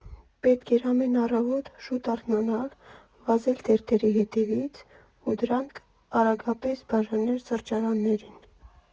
Պետք էր ամեն առավոտ շուտ արթնանալ, վազել թերթերի հետևից ու դրանք արագորեն բաժանել սրճարաններին։